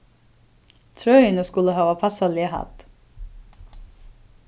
trøini skulu hava passaliga hædd